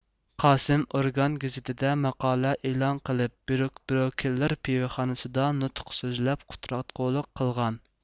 قاسىم ئورگان گېزىتىدە ماقالە ئېلان قىلىپ بېرگېبروكېللېر پىۋىخانسىدا نۇتۇق سۆزلەپ قۇتراتقۇلۇق قىلغان